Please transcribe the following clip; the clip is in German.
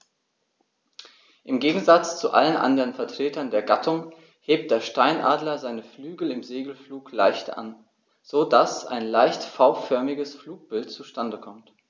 Im Gegensatz zu allen anderen Vertretern der Gattung hebt der Steinadler seine Flügel im Segelflug leicht an, so dass ein leicht V-förmiges Flugbild zustande kommt.